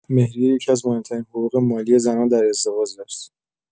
مهریه یکی‌از مهم‌ترین حقوق مالی زنان در ازدواج است.